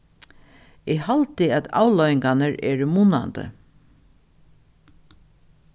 eg haldi at avleiðingarnar eru munandi